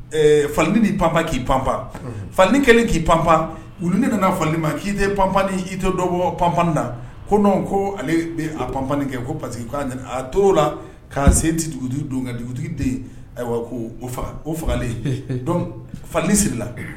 Falidi b'i panp k'i panp fali kelen k'i panp wu ne nana fali ma k'i tɛ panpan i tɛ dɔbɔ panpan na ko ko ale panpan kɛ ko pa parce que k' a to o la k'a se tɛ dugutigi don kɛ dugutigi den yen ayiwa ko faga o fagalen fali sirila